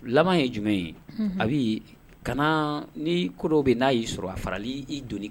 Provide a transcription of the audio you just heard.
Laban ye jumɛn ye Abi kana ni ko dɔ bɛ ye n'a y'i sɔrɔ a fara la i doni